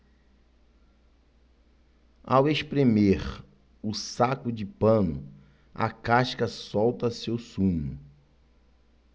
ao espremer o saco de pano a casca solta seu sumo